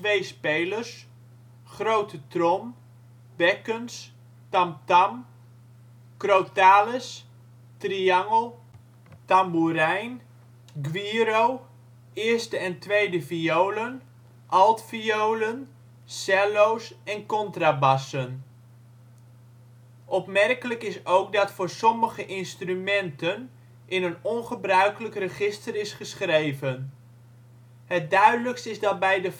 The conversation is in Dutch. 2 spelers), grote trom, bekkens, tamtam, crotales, triangel, tamboerijn, güiro, eerste en tweede violen, altviolen, cello 's en contrabassen. Opmerkelijk is ook dat voor sommige instrumenten in een ongebruikelijk register is geschreven. Het duidelijkst is dat bij de fagotsolo